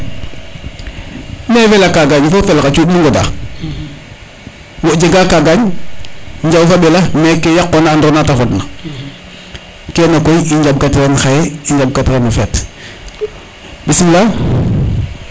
me fela kagañ ka fel xa cuuɗ de ngoda wo jega kaga njawfa ɓela mais ke yaqona andira nate fodna kene koy i njaɓka tiran xaye njaɓka tiran o feet bismila